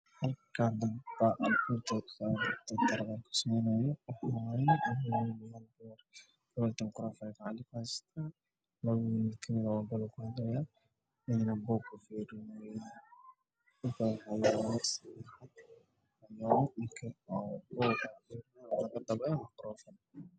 Meeshan waxaa iiga muuqdo laba nin oo taqmiso iyo hal gabar